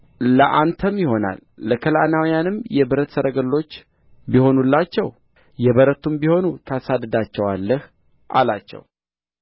ለአንተም ይሆናል ለከነዓናውያንም የብረት ሰረገሎች ቢሆኑላቸው የበረቱም ቢሆኑ ታሳድዳቸዋለህ አላቸው